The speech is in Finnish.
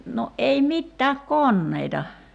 no ei mitään koneita